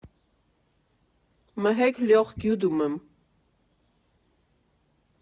Մհեկ լյոխ գյուդում ըմ։